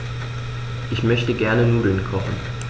Ich möchte gerne Nudeln kochen.